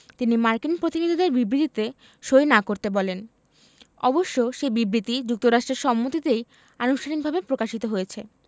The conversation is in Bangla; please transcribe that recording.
তিনি মার্কিন প্রতিনিধিদের বিবৃতিতে সই না করতে বলেন অবশ্য সে বিবৃতি যুক্তরাষ্ট্রের সম্মতিতেই আনুষ্ঠানিকভাবে প্রকাশিত হয়েছে